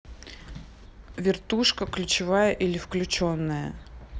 вертушка ключевая или выключенная